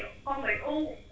con bị u